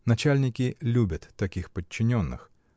Начальники любят таких подчиненных